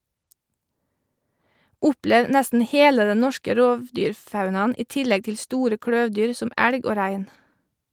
Opplev nesten hele den norske rovdyrfaunaen i tillegg til store kløvdyr som elg og rein.